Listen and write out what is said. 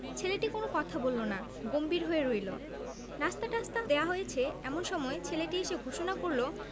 ছেলেটি কোন কথা বলল না গম্ভীর হয়ে রইল নশিতাটাসতা দেয়া হয়েছে এমন সময় ছেলেটি এসে ঘোষণা করল